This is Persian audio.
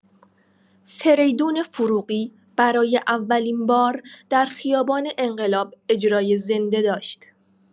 فریدون فروغی برای اولین بار در خیابان انقلاب اجرای زنده داشت.